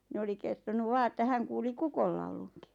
niin oli kertonut vain että hän kuuli kukonlaulunkin